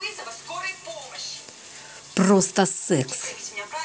просто секс